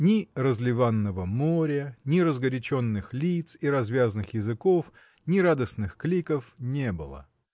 Ни разливанного моря, ни разгоряченных лиц и развязных языков, ни радостных кликов не было.